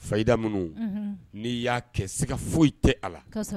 Fada minnu n'i y'a kɛ se ka foyi tɛ a la